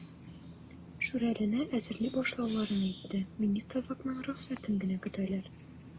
"шүрәле"не әзерли башлауларын әйтте, министрлыкның рөхсәтен генә көтәләр.